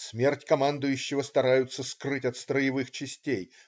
Смерть командующего стараются скрыть от строевых частей.